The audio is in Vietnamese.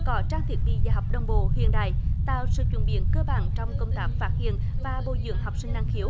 có trang thiết bị dạy học đồng bộ hiện đại tạo sự chuyển biến cơ bản trong công tác phát hiện và bồi dưỡng học sinh năng khiếu